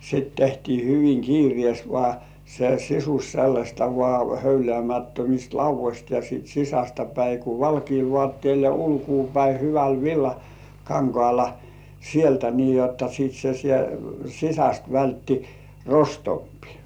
sitten tehtiin hyvin kiireesti vain se sisus sellaista vain höyläämättömistä laudoista ja sitten sisästä päin kun valkealla vaatteella ja ulkopäin hyvällä villakankaalla sieltä niin jotta sitten se - sisästä vältti rostompikin